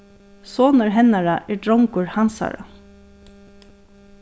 sonur hennara er drongur hansara